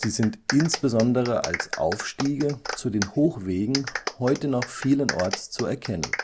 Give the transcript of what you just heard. sind insbesondere als Aufstiege zu den Hochwegen (Kammwegen) heute noch vielenorts zu erkennen